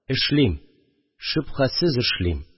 Эшлим, шөбһәсез эшлим